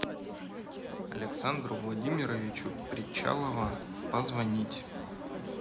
александру владимировичу причалова позвонить